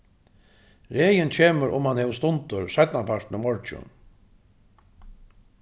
regin kemur um hann hevur stundir seinnapartin í morgin